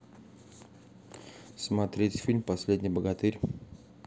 смотреть фильм последний богатырь